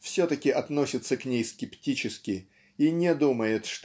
все-таки относится к ней скептически и не думает